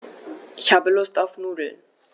Ich habe Lust auf Nudeln.